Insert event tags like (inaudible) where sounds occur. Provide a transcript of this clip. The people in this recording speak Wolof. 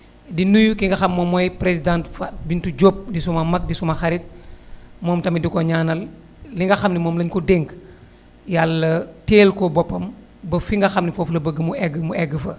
di nuyu ki nga xam moom mooy présidente Fatou Binetou Diop di suma mag di suma xarit (inhales) moom tamit di ko ñaanal li nga xam ne moom la ñu ko dénk yàlla téyel ko boppam ba fi nga xam ne foofu la bëgg mu egg mu egg fa